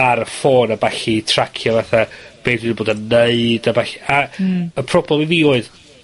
ar y ffôn a ballu, tracio fatha, be' dwi 'di bod yn neud a ball-, a... Hmm. ...y problem i fi oedd